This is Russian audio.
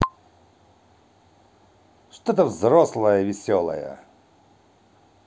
что то взрослое веселая